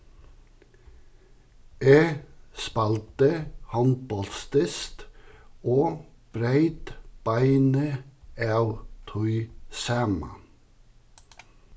eg spældi hondbóltsdyst og breyt beinið av tí sama